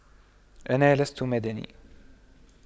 أنا لست مدني